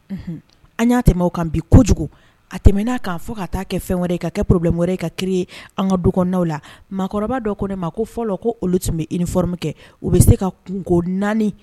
An y'a tɛmɛ bi kojugu a tɛm'a kan fo ka taa kɛ fɛn wɛrɛ ka kɛ porobilɛmo wɛrɛ ka kiiri an ka duw lakɔrɔba dɔ ko ne ma ko fɔlɔ ko olu tun bɛ i ni kɛ bɛ se ka naani